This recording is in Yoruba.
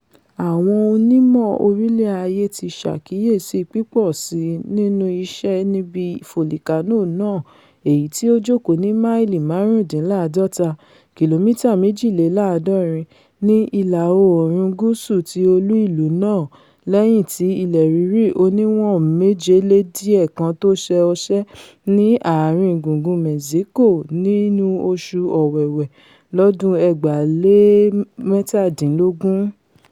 Àwọn onímọ-orilẹ-ayé ti ṣàkíyèsí pípọ̀síi nínú iṣẹ́ níbí fòlìkánò náà èyití ó jókòó ní máìlì máàrúndíńlá́àádọ́ta (kilomita méjìléláàádọ́rin) ní ìlà-oórùn gúúsù ti olú-ìlú náà lẹ́yìn ti ilẹ̀ rírì oníwọ̀n-7.1 kan tó ṣe ọṣẹ́ ní ààrin-gùngùn Mẹ́ṣíkò nínú oṣù Ọ̀wẹ̀wẹ̀ lọ́dún 2017.